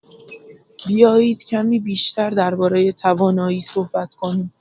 بیایید کمی بیشتر درباره توانایی صحبت کنیم.